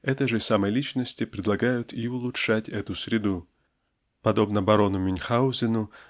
этой же самой личности предлагают и улучшать эту среду подобно барону Мюнхгаузену